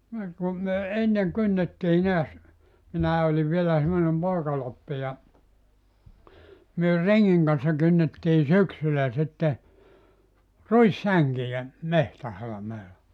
niin kun me ennen kynnettiin näet minä olin vielä semmoinen poikaloppi ja me rengin kanssa kynnettiin syksyllä sitten ruissänkiä metsähalmeella